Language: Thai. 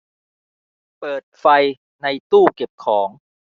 เปิดไฟในตู้เก็บของ